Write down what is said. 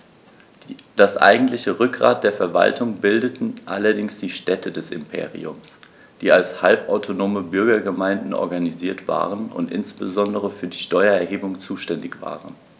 Das eigentliche Rückgrat der Verwaltung bildeten allerdings die Städte des Imperiums, die als halbautonome Bürgergemeinden organisiert waren und insbesondere für die Steuererhebung zuständig waren.